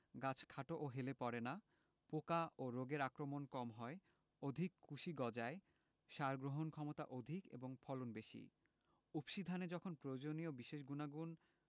⦁ গাছ খাটো ও হেলে পড়ে না ⦁ পোকা ও রোগের আক্রমণ কম হয় ⦁ অধিক কুশি গজায় ⦁ সার গ্রহণক্ষমতা অধিক এবং ফলন বেশি উফশী ধানে যখন প্রয়োজনীয় বিশেষ গুনাগুণ